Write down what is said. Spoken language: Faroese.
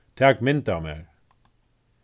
tak mynd av mær